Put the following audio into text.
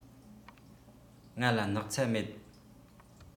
ང ལ སྣག ཚ མེད